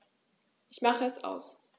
Ich mache es aus.